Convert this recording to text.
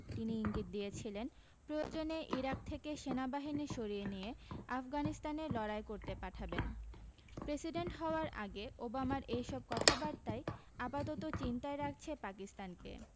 তিনি ইঙ্গিত দিয়েছিলেন প্রয়োজনে ইরাক থেকে সেনাবাহিনী সরিয়ে নিয়ে আফগানিস্তানে লড়াই করতে পাঠাবেন প্রেসিডেন্ট হওয়ার আগে ওবামার এইসব কথাবার্তাই আপাতত চিন্তায় রাখছে পাকিস্তানকে